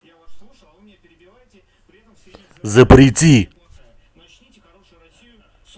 запрети